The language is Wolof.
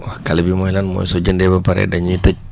waa callé bi mooy lan mooy soo jëndee ba pare dañuy tëj